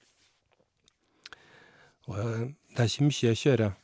Og det er ikke mye jeg kjører.